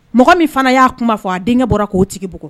Mɔgɔ min fana y'a kuma fɔ a denkɛ bɔra ko tigibugu